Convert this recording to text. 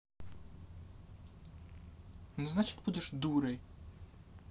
ну значит будешь дурой